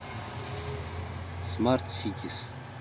смарт ситис